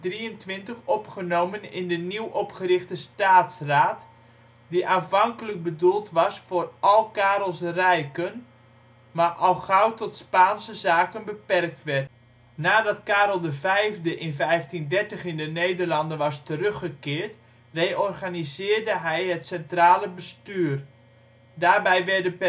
1523 opgenomen in de nieuw opgerichte Staatsraad, die aanvankelijk bedoeld was voor al Karels rijken, maar al gauw tot Spaanse zaken beperkt werd. Nadat Karel V in 1530 de Nederlanden was teruggekeerd reorganiseerde hij het centrale bestuur. Daarbij werden